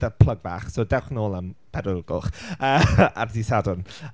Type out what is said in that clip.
Dyna plug bach, so dewch nôl am pedwar o'r gloch ar dydd Sadwrn!